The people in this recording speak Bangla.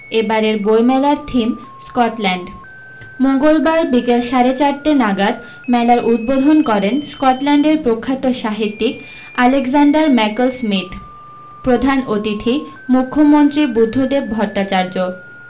এবারের বৈমেলার থিম স্কটল্যান্ড মঙ্গলবার বিকেল সাড়ে চারটে নাগাদ মেলার উদ্বোধন করেন স্কটল্যান্ডের প্রখ্যাত সাহিত্যিক আলেকজান্ডার ম্যাকল স্মিথ প্রধান অতিথি মুখ্যমন্ত্রী বুদ্ধদেব ভট্টাচার্য